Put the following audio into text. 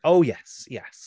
Oh yes yes.